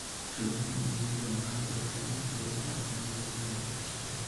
Shugaban Najeriya Muhammadu Buhari bai yi amfani da waɗannan dokokin ba.